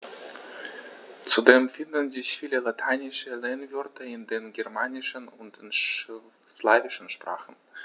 Zudem finden sich viele lateinische Lehnwörter in den germanischen und den slawischen Sprachen.